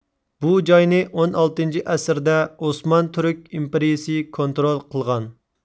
بۇ جاينى ئون ئالتىنچى ئەسىردە ئوسمان تۈرك ئىمپېرىيىسى كونترول قىلغان